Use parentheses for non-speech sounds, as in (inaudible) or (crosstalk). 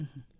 (hesitation) (hesitation)